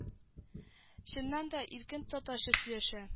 Чыннан да иркен татарча сөйләшә